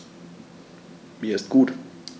Mir ist gut.